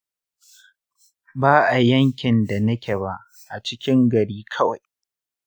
ba a yankin da nake ba, a cikin gari kawai.